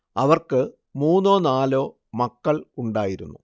അവർക്ക് മൂന്നോ നാലോ മക്കൾ ഉണ്ടായിരുന്നു